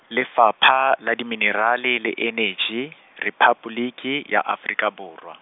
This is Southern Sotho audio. Lefapha, la Diminerale le Eneji, Rephaboliki, ya Afrika Borwa.